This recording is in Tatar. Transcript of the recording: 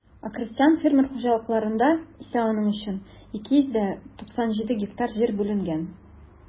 Ә крестьян-фермер хуҗалыкларында исә аның өчен 297 гектар җир бүленгән.